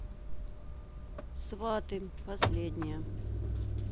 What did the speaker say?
сваты последняя